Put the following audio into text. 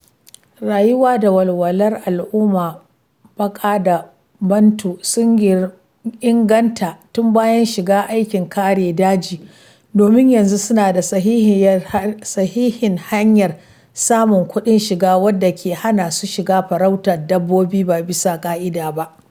Rayuwa da walwalar al’ummar Baka da Bantu sun inganta tun bayan shiga aikin kare daji, domin yanzu suna da sahihin hanyar samun kudin shiga wadda ke hana su shiga farautar dabbobi ba bisa ka’ida ba.